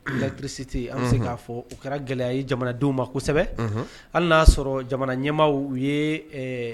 Électricité an bɛ se k'a fɔ, o kɛra gɛlɛya ye jamanadenw ma kosɛbɛ, unhun, hali n'a y'a sɔrɔ jamana ɲɛmaa ye ɛɛ